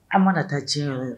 An mana taa diɲɛ yɔrɔ yɔrɔ